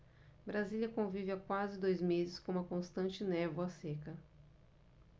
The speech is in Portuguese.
brasília convive há quase dois meses com uma constante névoa seca